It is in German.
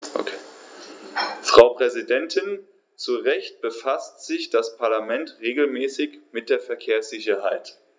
Frau Präsidentin, zu Recht befasst sich das Parlament regelmäßig mit der Verkehrssicherheit.